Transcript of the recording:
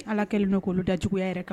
Ni ala kɛlen n kulu da juguya yɛrɛ kan